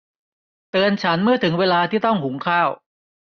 เตือนฉันเมื่อถึงเวลาที่ต้องหุงข้าว